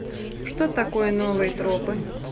что такое новые тропы